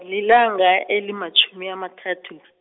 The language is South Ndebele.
lilanga elimatjhumi amathathu .